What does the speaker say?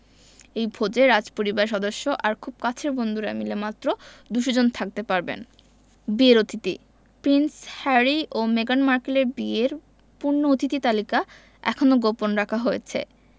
এই ভোজে রাজপরিবারের সদস্য আর খুব কাছের বন্ধুরা মিলে মাত্র ২০০ জন থাকতে পারবেন বিয়ের অতিথি প্রিন্স হ্যারি ও মেগান মার্কেলের বিয়ের পূর্ণ অতিথি তালিকা এখনো গোপন রাখা হয়েছে